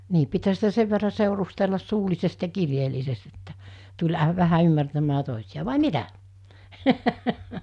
niin pitihän sitä sen verran seurustella suullisesti ja kirjeellisesti että tuli - vähän ymmärtämään toisia vai mitä